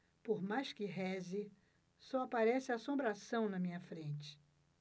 por mais que reze só aparece assombração na minha frente